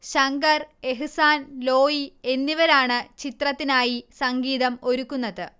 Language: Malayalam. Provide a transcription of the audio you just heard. ശങ്കർ, എഹ്സാൻ, ലോയ് എന്നിവരാണ് ചിത്രത്തിനായി സംഗീതം ഒരുക്കുന്നത്